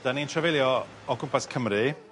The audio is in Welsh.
'dan ni'n trafeilio o gwmpas Cymru